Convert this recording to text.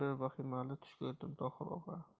vahimali tush ko'rdim tohir og'a